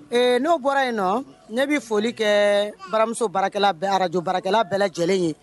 Ee n'o bɔra yen nɔ ne bɛ foli kɛ baramuso bara arajo barakɛla bɛɛ lajɛlen ye